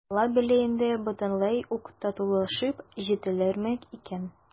«алла белә инде, бөтенләй үк татулашып җиттеләрме икән?»